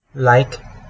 ไลค์